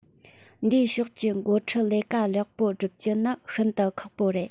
འདིའི ཕྱོགས ཀྱི འགོ ཁྲིད ལས ཀ ལེགས པར བསྒྲུབ རྒྱུ ནི ཤིན ཏུ ཁག པོ རེད